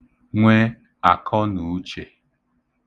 nwe àkọnùuchè